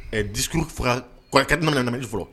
Ɛɛ ditu fɔra k naɛnɛ fɔlɔ